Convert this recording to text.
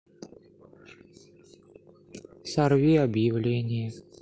сорви объявление